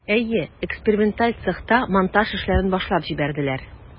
Әйе, эксперименталь цехта монтаж эшләрен башлап җибәрделәр.